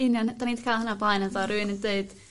Union 'dan ni 'di ca'l hwnna o blaen yndo rywun yn deud